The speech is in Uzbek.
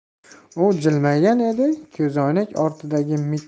u jilmaygan edi ko'zoynak ortidagi